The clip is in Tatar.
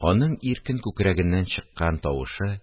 Аның иркен күкрәгеннән чыккан тавышы